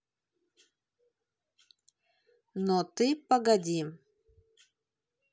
но ты погоди